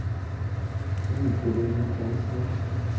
Ни телим икән соң?